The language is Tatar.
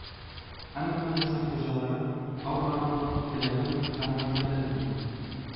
Әмма мәдрәсә хуҗалары ал арның теләген канәгатьләндерми.